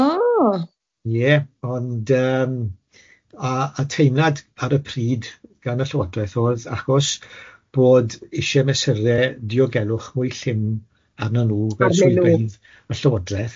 O. Ie ond yym a y teimlad ar y pryd gan y Llywodraeth o'dd achos bod eisie mesure diogelwch mwy llym arnyn n'w fel swyddfeydd y Llywodreth,